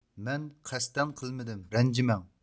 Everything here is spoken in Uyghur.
مەن قەستەن قىلمىدىم رەنجىمەڭ